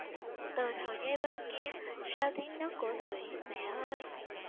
từ đầu dây bên kia sau tiếng nấc của thủy mẹ ơi